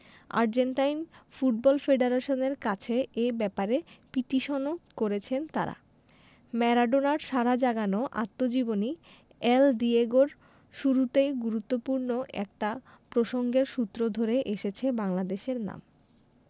Argentine football ফেডারেশনের কাছে এ ব্যাপারে পিটিশনও করেছেন তাঁরা ম্যারাডোনার সাড়া জাগানো আত্মজীবনী এল ডিয়েগো র শুরুতেই গুরুত্বপূর্ণ একটা প্রসঙ্গের সূত্র ধরে এসেছে বাংলাদেশের নাম